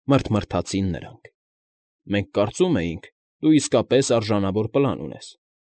Մռթմռթացին նրանք։֊ Մենք կարծում էինք, դու իսկապես արժանավոր պլան ունես։